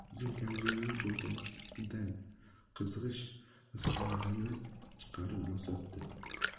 uzun kamzulining cho'ntagidan qizg'ish nosqovog'ini chiqarib nos otdi